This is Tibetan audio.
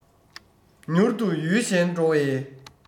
མྱུར དུ ཡུལ གཞན འགྲོ བའི